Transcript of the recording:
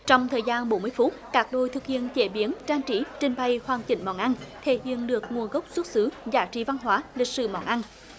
trong thời gian bốn mươi phút các đội thực hiện chế biến trang trí trình bày hoàn chỉnh món ăn thể hiện được nguồn gốc xuất xứ giá trị văn hóa lịch sử món ăn